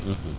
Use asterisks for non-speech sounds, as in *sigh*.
*hesitation* *hesitation*